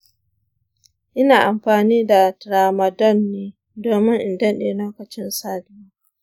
ina amfani da tramadol ne domin in daɗe lokacin saduwa.